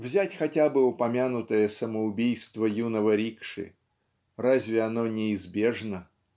Взять хотя бы упомянутое самоубийство юного рикши разве оно неизбежно?